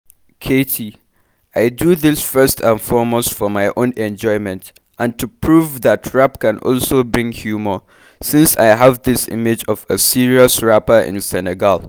Keyti : I do this first and foremost for my own enjoyment and to prove that rap can also bring humour, since I have this image of a serious rapper in Senegal.